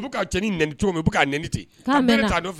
U bɛ' ka ni n cogo min bɛ n